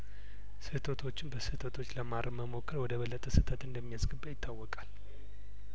ስህተቶችን በስተቶች ለማረም መሞከር ወደ በለጠ ስህተት እንደሚያስገባ ይታወቃል